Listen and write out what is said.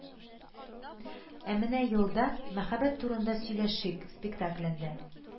Ә менә елда Мәхәббәт турында сөйләшик спектаклендә